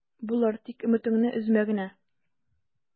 Булыр, тик өметеңне өзмә генә...